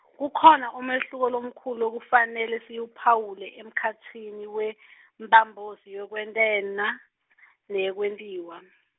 kukhona umehluko lomkhulu lekufanele siwuphawule emkhatsini wemphambosi yekwentela , neyekwentiwa.